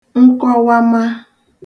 nkọwama